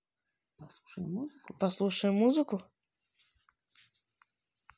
послушаем музыку